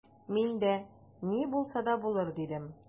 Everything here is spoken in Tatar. Мин дә: «Ни булса да булыр»,— дидем.